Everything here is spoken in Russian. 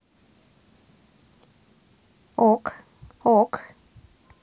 ok ok